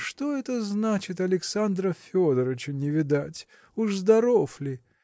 Что это значит, Александра Федорыча не видать? уж здоров ли?